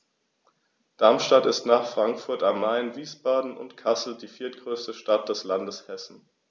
Darmstadt ist nach Frankfurt am Main, Wiesbaden und Kassel die viertgrößte Stadt des Landes Hessen